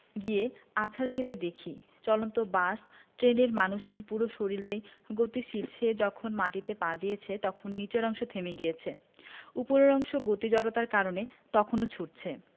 গিয়ে আছাড় খেতে দেখি চলন্ত বাস ট্রেনের মানুষটির পুরো শরীলটাই গতিশীল সে যখন মাটিতে পা দিয়েছে তখন নিচের অংশ থেমে গিয়েছে ওপরের অংশ গতি জড়তার কারণে তখনো ছুটছে